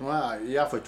N b'a! I y'a fɔ c